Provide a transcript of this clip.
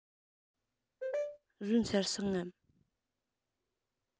ཟོས ཚར སོང ངམ